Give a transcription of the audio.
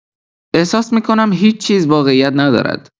احساس می‌کنم هیچ‌چیز واقعیت ندارد.